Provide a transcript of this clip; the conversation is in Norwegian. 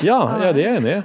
ja ja det er jeg enig i.